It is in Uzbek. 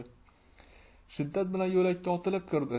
shiddat bilan yo'lakka otilib kirdi